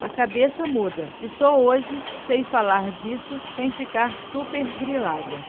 a cabeça muda e só hoje sei falar disso sem ficar supergrilada